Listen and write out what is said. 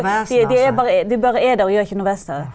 de er de bare de bare er der og gjør ikke noe seg.